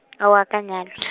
aowa, a ka nyal- .